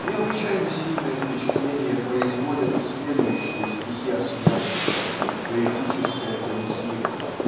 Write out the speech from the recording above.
Необычайно сильное впечатление производят и следующие стихи о смерти поэтическая панихида